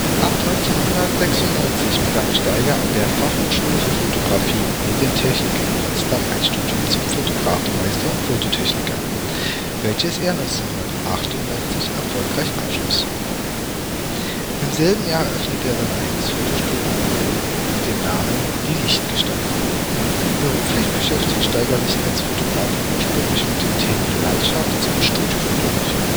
Ab 1996 begann Staiger an der Fachschule für Foto - und Medientechnik in Potsdam ein Studium zum Fotografenmeister und Fototechniker, welches er 1998 erfolgreich abschloss. Im selbem Jahr eröffnet er sein eigenes Fotostudio in Berlin mit dem Namen „ die licht gestalten “. Beruflich beschäftigt Staiger sich als Fotograf ursprünglich mit Themen Landschafts - und Studiofotografie